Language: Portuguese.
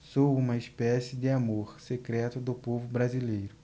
sou uma espécie de amor secreto do povo brasileiro